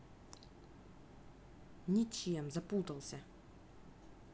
ничем запутался